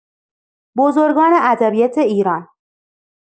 بزرگان ادبیات ایران